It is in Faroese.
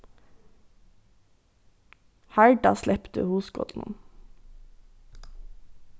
harda slepti hugskotinum